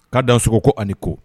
K'a da sogoko ani ko